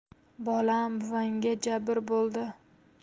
bolam buvangga jabr bo'ldi